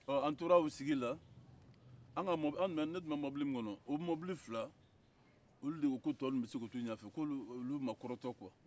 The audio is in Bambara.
an tora o sigi de la an ka mobili ne tun bɛ mobili min kɔnɔ o mobili fila olu de ko ko tɔw bɛ se ka taa u ɲɛ k'olu ma kɔrɔtɔ kuwa